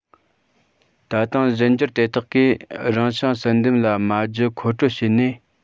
ད རུང གཞན འགྱུར དེ དག གིས རང བྱུང བསལ འདེམས ལ མ རྒྱུ མཁོ སྤྲོད བྱས ནས